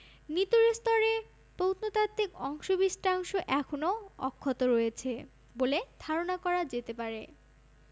নিতুর স্তরে প্রত্নতাত্ত্বিক অবশিষ্টাংশ এখনও অক্ষত রয়েছে বলে ধারণা করা যেতে পারে